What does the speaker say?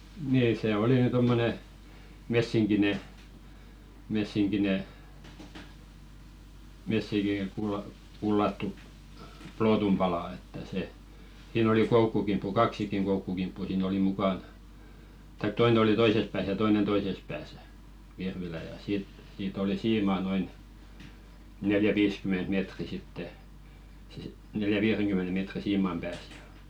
niin se oli nyt tuommoinen messinkinen messinkinen - messinkikullattu plootun pala että se siinä oli koukkukimppu kaksikin koukkukimppua siinä oli mukana tai toinen oli toisessa päässä ja toinen toisessa päässä virvilä ja siitä siitä oli siima noin neljä-viisikymmentä metriä sitten neljän-viidenkymmenen metrin siiman päässä ja